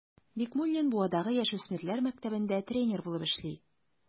Бикмуллин Буадагы яшүсмерләр мәктәбендә тренер булып эшли.